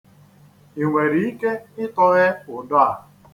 I nwere ike itọhe ụdọ a?